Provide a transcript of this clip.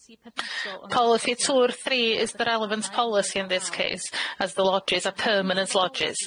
Policy two or three is the relevant policy in this case, as the lodges are permanent lodges.